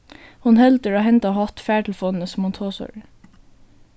hon heldur á henda hátt fartelefonini sum hon tosar í